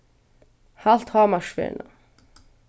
halt hámarksferðina